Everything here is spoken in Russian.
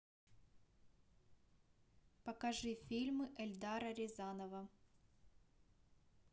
покажи фильмы эльдара рязанова